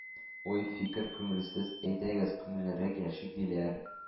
Уй, фикер – күңелсез, әйдәгез, күңеллерәк яшик, диләр.